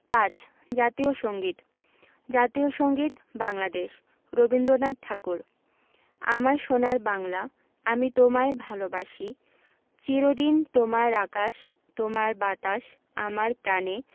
৫ জাতীয় সংগীত জাতীয় সংগীত বাংলাদেশ রবীন্দ্রনাথ ঠাকুর আমার সোনার বাংলা আমি তোমায় ভালোবাসি চির দিন তোমার আকাশ তোমার বাতাস আমার প্রাণে